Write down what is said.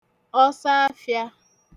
ọsọafịā